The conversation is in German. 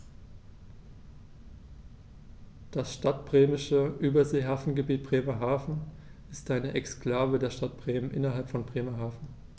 Das Stadtbremische Überseehafengebiet Bremerhaven ist eine Exklave der Stadt Bremen innerhalb von Bremerhaven.